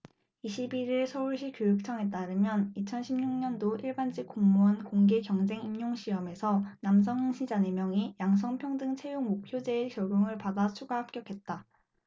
이십 일 일 서울시교육청에 따르면 이천 십 육 년도 일반직공무원 공개경쟁임용시험에서 남성 응시자 네 명이 양성평등채용목표제의 적용을 받아 추가 합격했다